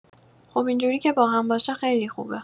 خب اینجوری که باهم باشه خیلی خوبه